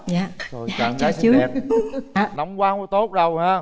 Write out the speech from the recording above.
dạ rồi chào em gái xinh đẹp nóng quá hông có tốt đâu ha